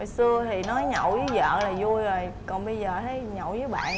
xưa thì nói nhậu với vợ là vui rồi còn bây giờ thấy nhậu với bạn